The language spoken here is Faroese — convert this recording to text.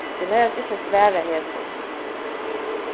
tit noyðast ikki at svara hesum